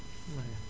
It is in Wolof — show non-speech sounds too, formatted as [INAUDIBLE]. [HESITATION] [HESITATION]